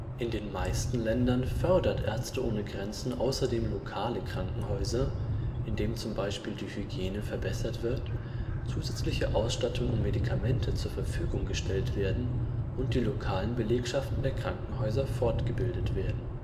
In den meisten Ländern fördert Ärzte ohne Grenzen außerdem lokale Krankenhäuser, indem zum Beispiel die Hygiene verbessert wird, zusätzliche Ausstattung und Medikamente zur Verfügung gestellt werden und die lokalen Belegschaften der Krankenhäuser fortgebildet werden